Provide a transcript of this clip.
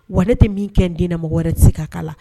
Wa ne tɛ min kɛ n di na mɔgɔ wɛrɛ tɛ se ka kala la